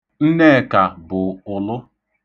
Nneka bụ ụlụ.